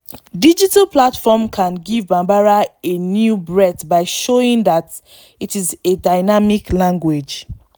Digital platforms can give Bambara a new breath by showing that it is a dynamic language.